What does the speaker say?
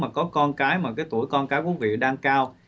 mà có con cái mà cái tuổi con cái quý vị đang cao